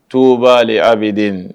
Tuba abiden